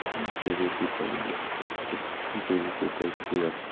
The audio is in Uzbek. shunchaga ko'paydi eksport shunchaga ko'paydi deyapti